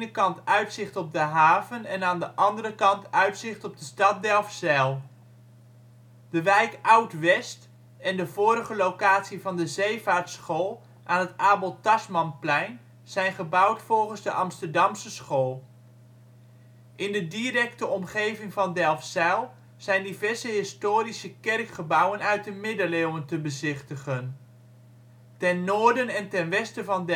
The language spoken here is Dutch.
kant uitzicht op de haven en aan de andere kant uitzicht op de stad Delfzijl. De wijk Oud West en de vorige locatie van de zeevaartschool aan het Abel Tasmanplein zijn gebouwd volgens de Amsterdamse School. In de directe omgeving van Delfzijl zijn diverse historische kerkgebouwen uit de middeleeuwen te bezichtigen. Ten noorden en ten oosten van Delfzijl